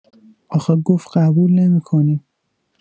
آخه گفت قبول نمی‌کنیم